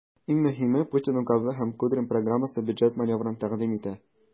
Иң мөһиме, Путин указы һәм Кудрин программасы бюджет маневрын тәкъдим итә.